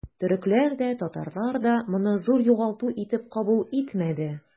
Төрекләр дә, татарлар да моны зур югалту итеп кабул итмәде.